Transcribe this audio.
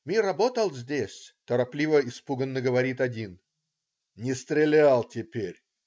Мы работал здесь!" - торопливо, испуганно говорит один. "Не стрелял теперь!